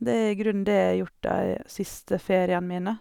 Det er i grunnen det jeg har gjort de siste feriene mine.